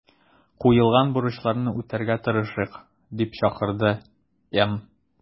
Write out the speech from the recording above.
Куелган бурычларны үтәргә тырышыйк”, - дип чакырды Н.